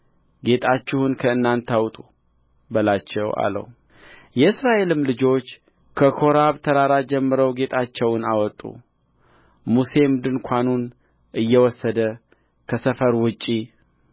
ጌጣችሁን ከእናንተ አውጡ በላቸው አለው የእስራኤልም ልጆች ከኮሬብ ተራራ ጀምረው ጌጣቸውን አወጡ ሙሴም ድንኳኑን እየወሰደ ከሰፈር ውጭ